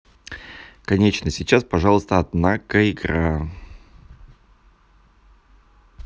конечно сейчас пожалуйста однако игра